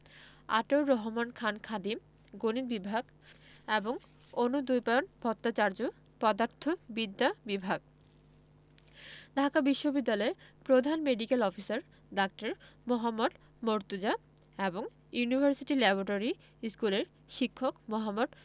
আতাউর রহমান খান খাদিম গণিত বিভাগ এবং অনুদ্বৈপায়ন ভট্টাচার্য পদার্থবিদ্যা বিভাগ ঢাকা বিশ্ববিদ্যালয়ের প্রধান মেডিক্যাল অফিসার ডা. মোহাম্মদ মর্তুজা এবং ইউনিভার্সিটি ল্যাবরেটরি স্কুলের শিক্ষক মোহাম্মদ